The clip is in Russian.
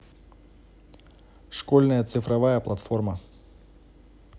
школьная цифровая платформа